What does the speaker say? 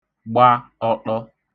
gba ọṭọ